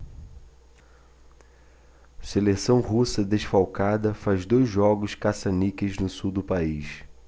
seleção russa desfalcada faz dois jogos caça-níqueis no sul do país